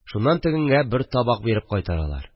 Шуннан тегеңә бер табак биреп кайтаралар